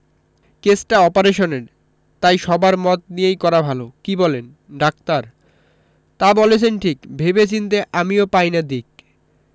কেসটা অপারেশনের তাই সবার মত নিয়েই করা ভালো কি বলেন ডাক্তার তা বলেছেন ঠিক ভেবে চিন্তে আমিও পাই না দিক